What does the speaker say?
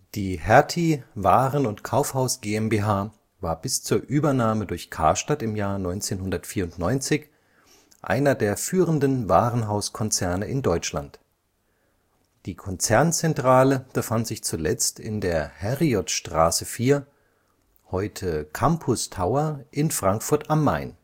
Die Hertie Waren - und Kaufhaus GmbH war bis zur Übernahme durch Karstadt 1994 einer der führenden Warenhauskonzerne in Deutschland. Die Konzernzentrale befand sich zuletzt in der Herriotstraße 4, heute Campus Tower, in Frankfurt am Main